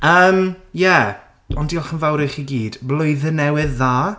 Yym, ie, ond diolch yn fawr i chi gyd. Blwyddyn newydd dda!